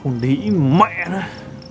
con đĩ mẹ nó